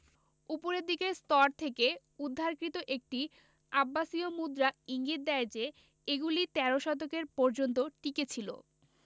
উপরের দিকের স্তর থেকে উদ্ধারকৃত একটি আব্বাসীয় মুদ্রা ইঙ্গিত দেয় যে এগুলি তেরো শতকের পর্যন্ত টিকেছিল